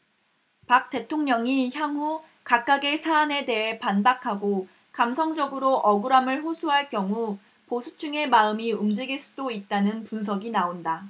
박 대통령이 향후 각각의 사안에 대해 반박하고 감성적으로 억울함을 호소할 경우 보수층의 마음이 움직일 수도 있다는 분석이 나온다